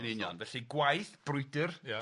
yn union felly gwaith/brwydr... Ia...